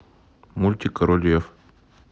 мультик король лев